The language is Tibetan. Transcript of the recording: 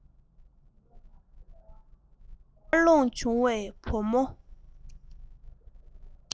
འཚར ལོངས བྱུང བའི བུ མོ